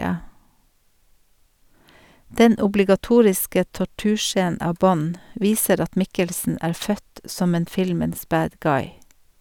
Den obligatoriske torturscenen av Bond viser at Mikkelsen er født som en filmens «bad guy».